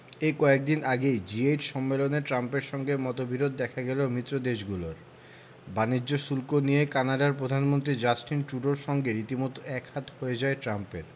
এই কয়েক দিন আগেই জি এইট সম্মেলনে ট্রাম্পের সঙ্গে মতবিরোধ দেখা গেল মিত্রদেশগুলোর বাণিজ্য শুল্ক নিয়ে কানাডার প্রধানমন্ত্রী জাস্টিন ট্রুডোর সঙ্গে রীতিমতো একহাত হয়ে যায় ট্রাম্পের